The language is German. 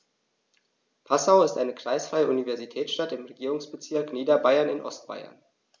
Passau ist eine kreisfreie Universitätsstadt im Regierungsbezirk Niederbayern in Ostbayern.